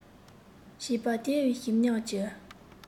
བྱིས པ དེའི ཞིམ ཉམས ཀྱི